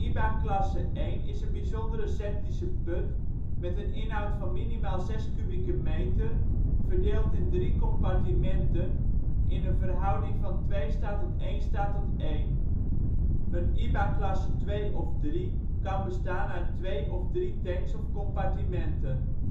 IBA klasse 1 is een bijzondere septische put, met een inhoud van minimaal 6 m³ verdeeld in 3 compartimenten in een verhouding van 2:1:1. Een IBA klasse 2 of 3 is kan bestaan uit twee of drie tanks of compartimenten